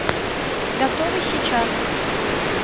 готовый сейчас